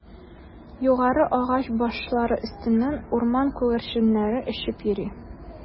Югарыда агач башлары өстеннән урман күгәрченнәре очып йөри.